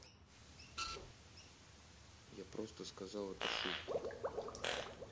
я просто сказал это шутка